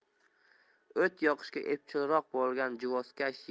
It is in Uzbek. o't yoqishga epchilroq bo'lgan juvozkash